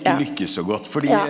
ja ja.